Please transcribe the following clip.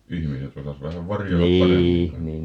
ihmiset osasi vähän varjella paremmin kai